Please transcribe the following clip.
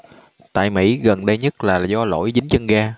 tại mỹ gần đây nhất là do lỗi dính chân ga